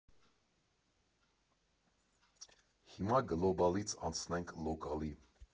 Հիմա գլոբալից անցնենք լոկալի.